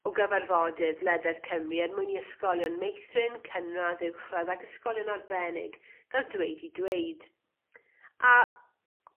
o gyfarfodydd ledled Cymru er mwyn i ysgolion meithrin cynradd uwchradd ag ysgolion arbennig ga'l dweud 'u dweud a